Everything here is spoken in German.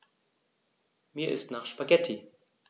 Mir ist nach Spaghetti.